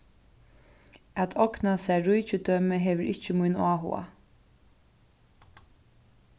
at ogna sær ríkidømi hevur ikki mín áhuga